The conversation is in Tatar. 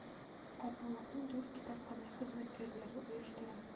Атналыкны дүрт китапханә хезмәткәрләре оештыра.